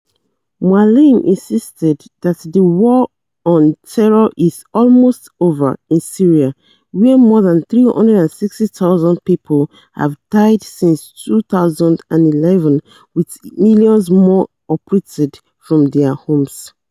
Moualem insisted that the "war on terror is almost over" in Syria, where more than 360,000 people have died since 2011, with millions more uprooted from their homes.